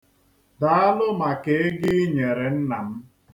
Daalụ maka ego i nyere nna m.